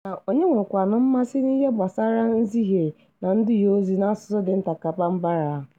Mana onye nwekwanụ mmasị n'ihe mgbasara nzihe na nduhe ozi n'asụsụ dị nta ka Bambara?